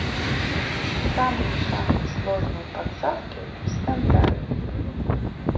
самые самые сложные подсадки в стендале